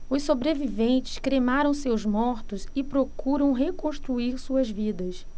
os sobreviventes cremaram seus mortos e procuram reconstruir suas vidas